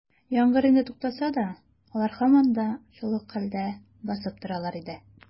Яңгыр инде туктаса да, алар һаман да шул ук хәлдә басып торалар иде.